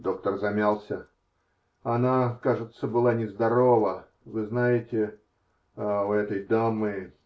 Доктор замялся: -- Она, кажется, была нездорова. Вы знаете, у этой дамы.